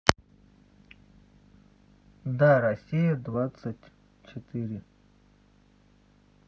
да россия двадцать четыре